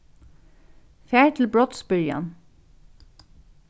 far til brotsbyrjan